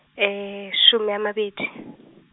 some a mabedi.